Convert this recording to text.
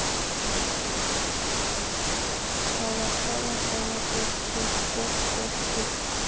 колоколобок бок бок бок бок